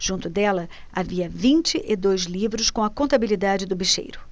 junto dela havia vinte e dois livros com a contabilidade do bicheiro